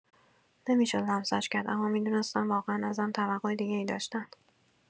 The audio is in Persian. نمی‌شد لمسش کرد اما می‌دونستم واقعا ازم توقع دیگه‌ای داشتن.